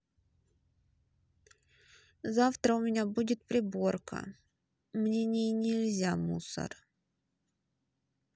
завтра у меня будет приборка мнениенельзя мусор